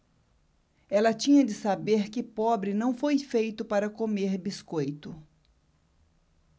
ela tinha de saber que pobre não foi feito para comer biscoito